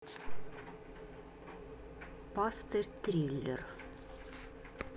пастырь триллер